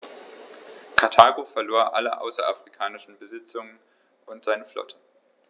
Karthago verlor alle außerafrikanischen Besitzungen und seine Flotte.